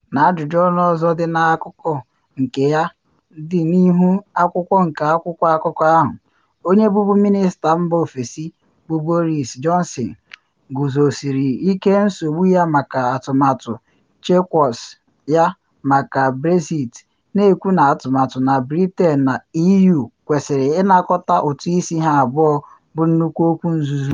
N’ajụjụ ọnụ ọzọ dị n’akụkụ nke ya dị n’ihu akwụkwọ nke akwụkwọ akụkọ ahụ, onye bubu minista mba ofesi bụ Boris Johnson guzosiri ike nsogbu ya maka atụmatụ Chequers ya maka Brexit, na ekwu na atụmatụ na Britain na EU kwesịrị ịnakọta ụtụ isi ha abụọ bụ “nnukwu okwu nzuzu.”